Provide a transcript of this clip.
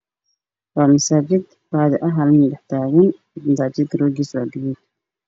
Waa misaajid hal nin dhax dagan misaajidka rookies waa cagaar